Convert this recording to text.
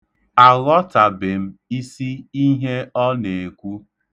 Aghọtabe m isi ihe ọ na-ekwu.